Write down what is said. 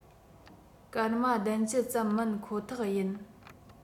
སྐར མ ༧༠ ཙམ མིན ཁོ ཐག ཡིན